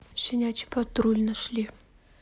щенячий патруль нашли